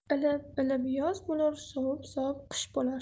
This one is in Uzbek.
ilib ilib yoz bo'lar sovib sovib qish bo'lar